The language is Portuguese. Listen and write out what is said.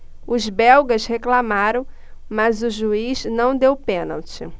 os belgas reclamaram mas o juiz não deu o pênalti